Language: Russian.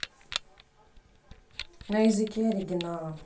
на языке оригинала